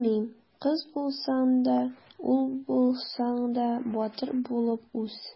Белмим: кыз булсаң да, ул булсаң да, батыр булып үс!